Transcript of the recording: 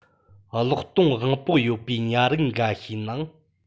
གློག གཏོང དབང པོ ཡོད པའི ཉ རིགས འགའ ཤས ནང